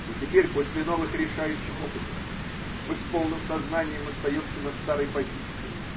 И теперь, после новых и решающих опытов, мы с полным сознанием остаемся на старой позиции.